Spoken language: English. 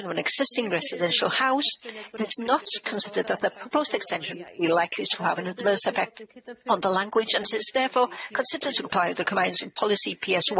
an existing residential house does not consider that the proposed extension will be likely to have an adverse effect on the language and is therefore considered to comply with the commands with Policy P.S. one